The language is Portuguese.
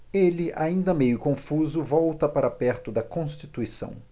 ele ainda meio confuso volta para perto de constituição